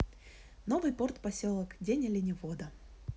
новый порт поселок день оленевода